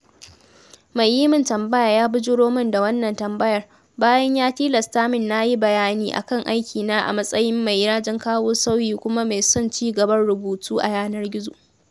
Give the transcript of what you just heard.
Mai yi min tambaya ya bujuro min da wannan tambayar, bayan ya tilasta min na yi bayani a kan aikina a matsayin mai rajin kawo sauyi kuma mai son ci gaban rubutu a yanar gizo